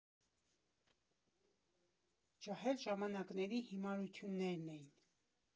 Ջահել ժամանակների հիմարություններն էին։